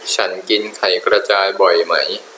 ฉันกินไข่กระจายบ่อยไหม